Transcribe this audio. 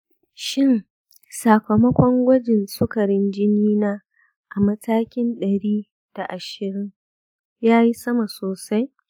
shin sakamakon gwajin sukarin jinina a matakin ɗari da ashsiri yayi sama sosai?